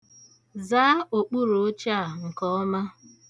Zaa okpuru oche a nke ọma.